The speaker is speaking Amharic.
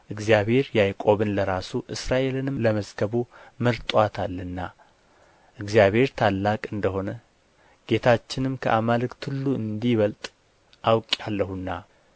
እግዚአብሔር ያዕቆብን ለራሱ እስራኤልንም ለመዝገቡ መርጦታልና እግዚአብሔር ታላቅ እንደ ሆነ ጌታችንም ከአማልክት ሁሉ እንዲበልጥ አውቄአለሁና